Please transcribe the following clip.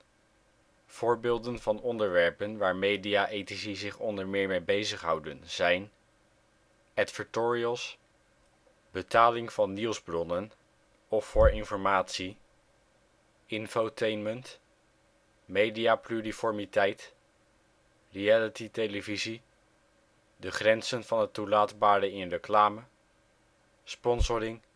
Voorbeelden van onderwerpen waar media-ethici zich onder meer mee bezighouden zijn: advertorials betaling van nieuwsbronnen, of voor informatie infotainment mediapluriformiteit realitytelevisie de grenzen van het toelaatbare in reclame sponsoring